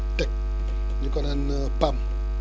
ñu ko naan PAM